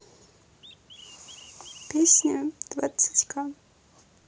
песня двадцать ка